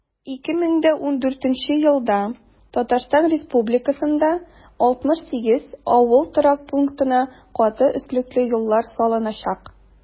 2014 елда татарстан республикасында 68 авыл торак пунктына каты өслекле юллар салыначак.